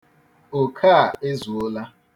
Oke a ezuola.